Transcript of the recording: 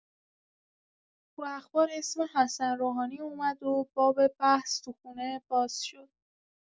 تو اخبار اسم حسن روحانی اومد و باب بحث تو خونه باز شد.